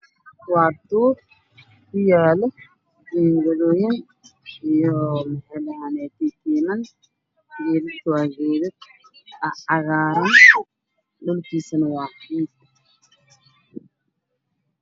Waa duur ku yaallaan geedo waaweyn beero iyo geedo kale oo waaweyn oo baxayo geedaha kalarkiisu waa cagaar